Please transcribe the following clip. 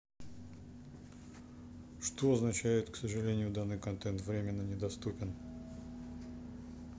что означает к сожалению данный контент временно недоступен